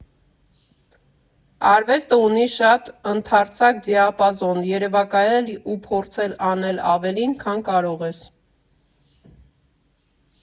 Արվեստը ունի շատ ընդարձակ դիապազոն, երևակայել ու փորձել անել ավելին, քան կարող ես։